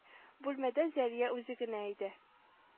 Бүлмәдә зәлия үзе генә иде